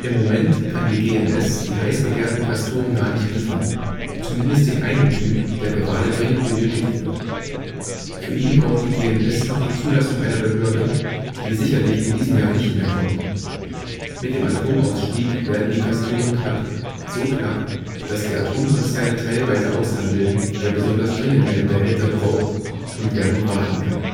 Moment kann die GNS die heiß begehrten Castoren gar nicht liefern; zumindest den einen Typ, der gerade dringend benötigt wird. Für ihn braucht die GNS noch die Zulassung einer Behörde, die sicherlich in diesem Jahr nicht mehr kommt. Mit dem Atomausstieg werden die Castoren knapp – so knapp, dass die Atomkonzerne teilweise aushandeln, wer besonders dringend einen Behälter braucht, und wer noch warten kann